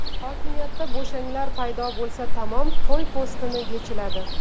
hokimiyatda bo'shanglar paydo bo'lsa tamom qo'y po'stini yechiladi